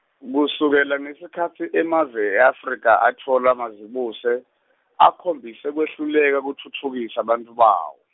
kusukela ngesikhatsi emave e-Afrika atfola mazibuse , akhombise kwehluleka kutfutfukisa bantfu bawo.